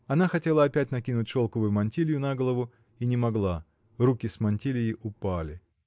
Она хотела опять накинуть шелковую мантилью на голову и не могла: руки с мантильей упали.